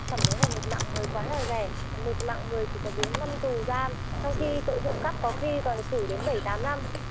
cảm thấy là một mạng người quá rẻ một mạng người chỉ có bốn năm tù giam trong khi tội trộm cắp có khi còn được xử đến bẩy tám năm